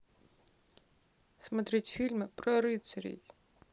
смотреть фильмы про рыцарей